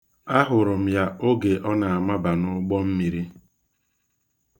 Ahụrụ m ya oge ọ na-amaba n'ụgbọmmiri